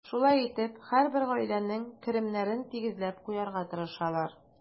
Шулай итеп, һәрбер гаиләнең керемнәрен тигезләп куярга тырышалар.